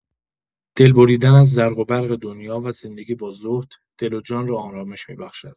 دل‌بریدن از زرق و برق دنیا و زندگی با زهد، دل و جان را آرامش می‌بخشد.